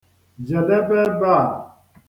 Jedebee ebe a!